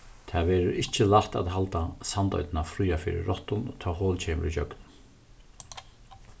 tað verður ikki lætt at halda sandoynna fría fyri rottum tá hol kemur ígjøgnum